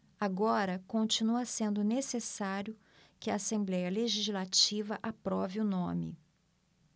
agora continua sendo necessário que a assembléia legislativa aprove o nome